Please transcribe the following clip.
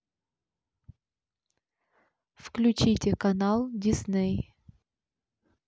включите канал дисней